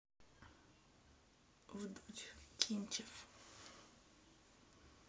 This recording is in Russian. вдудь кинчев